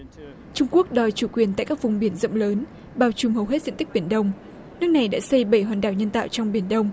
trung quốc đòi chủ quyền tại các vùng biển rộng lớn bao trùm hầu hết diện tích biển đông nước này để xây bảy hòn đảo nhân tạo trong biển đông